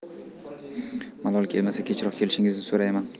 malol kelmasa kechroq kelishingizni so'rayman